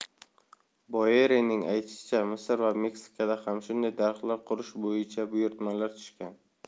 boyerining aytishicha misr va meksikada ham shunday shaharlar qurish bo'yicha buyurtmalar tushgan